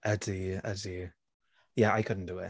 Ydy, ydy. Yeah I couldn't do it.